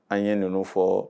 An ye ninnu fɔ